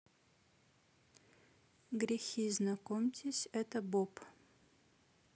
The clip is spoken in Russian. грехи знакомьтесь это боб